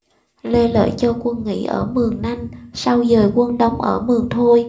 lê lợi cho quân nghỉ ở mường nanh sau dời quân đóng ở mường thôi